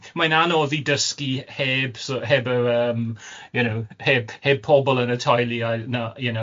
Mae'n anodd i dysgu heb so heb yr yym, you know, heb heb pobol yn y teulu yy 'na, you know